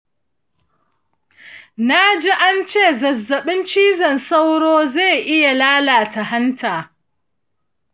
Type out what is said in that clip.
naji ance zazzaɓin cizon sauro zai iya lalata hanta.